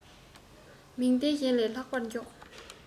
མིག ལྡན གཞན ལས ལྷག པར མགྱོགས